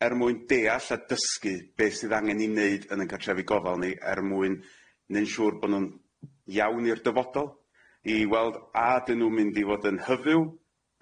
er mwyn deall a dysgu beth sydd angen i neud yn y cartrefi gofal ni er mwyn neu'n siŵr bo' nw'n iawn i'r dyfodol i weld a ydyn nw'n mynd i fod yn hyfyw